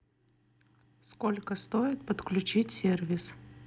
сколько стоит подключить сервис